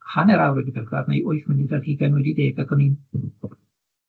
hanner awr wedi pedwar neu wyth munud ar hugain wedi deg, ac o'n i'n